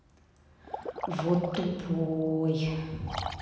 вот тупой